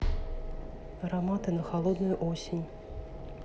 ароматы на холодную осень